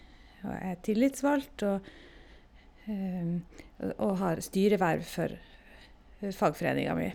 Og jeg er tillitsvalgt og og har styreverv for fagforeninga mi.